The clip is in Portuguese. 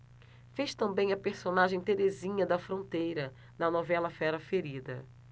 fez também a personagem terezinha da fronteira na novela fera ferida